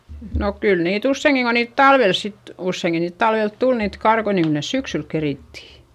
no kyllä niitä useinkin kun niitä talvella sitten useinkin niitä talvella tuli niitä karkkoja niin kyllä ne syksyllä kerittiin